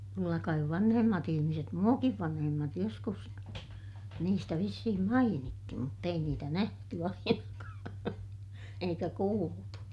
kyllä kai vanhemmat ihmiset minuakin vanhemmat joskus niistä vissiin mainitsi mutta ei niitä nähty ainakaan eikä kuultu